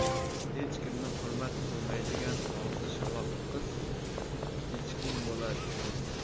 hech kimni hurmat qilmaydigan og'zi shaloq qiz echking bo'ladi debdi